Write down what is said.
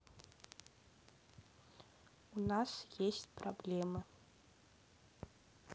у нас есть проблемы